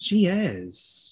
She is.